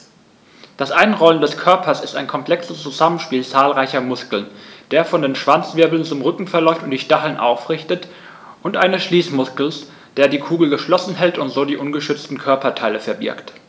Das Einrollen des Körpers ist ein komplexes Zusammenspiel zahlreicher Muskeln, der von den Schwanzwirbeln zum Rücken verläuft und die Stacheln aufrichtet, und eines Schließmuskels, der die Kugel geschlossen hält und so die ungeschützten Körperteile verbirgt.